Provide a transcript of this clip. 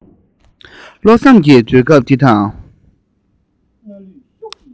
བློ བཟང གིས དུས སྐབས འདི དང